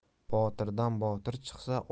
botirdan botir chiqsa